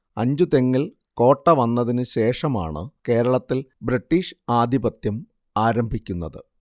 അഞ്ചുതെങ്ങിൽ കോട്ട വന്നതിനു ശേഷമാണു കേരളത്തിൽ ബ്രിട്ടീഷ് ആധിപത്യം ആരംഭിക്കുന്നത്